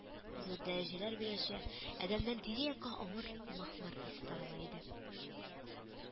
“зур дәрәҗәләр биләүче” адәмнән тирә-якка авыр махмыр исе тарала иде